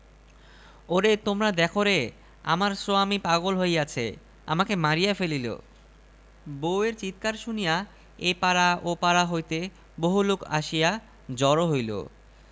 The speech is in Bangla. পাড়ার সবাইকে বলিল আপনারা সবাই বলুন শুকনা মাঠে তাজা শোলমাছ কেমন করিয়া আসিবে আমার সোয়ামী পাগল না হইলে এমন কথা বলিতে পারে